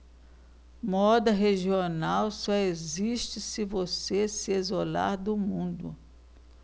moda regional só existe se você se isolar do mundo